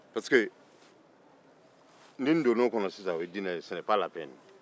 ni n donna o kɔnɔ sisan o ye diinɛ